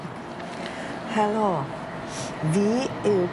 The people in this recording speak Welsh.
Oce. Helo fi yw